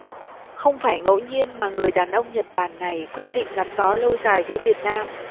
không phải ngẫu nhiên mà người đàn ông nhật bản này quyết định gắn bó lâu dài với việt nam